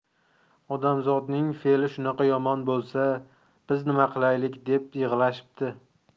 odamzodning feli shunaqa yomon bo'lsa biz nima qilaylik deb yig'lashibdi